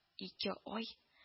Ике ай